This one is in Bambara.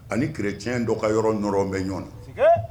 A ni chrétien dɔ ka yɔrɔ nɔrɔlen bɛ ɲɔgɔn na